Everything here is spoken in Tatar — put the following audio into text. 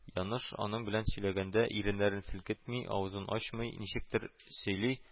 Яныш аның белән сөйләгәндә, иреннәрен селкетми, авызын ачмый, ничектер сөйли